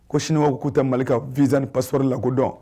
Ko siniw k'u tɛ mali ka vzali pasli la ko dɔn